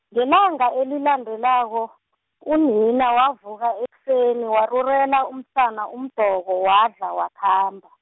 ngelanga elilandelako, unina wavuka ekuseni warurela umsana umdoko wadla wakhamba.